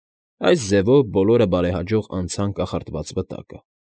Այս ձևով բոլորը բարեհաջող անցան կախարդված վտակը։